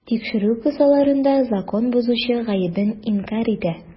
Тикшерү кысаларында закон бозучы гаебен инкарь итә.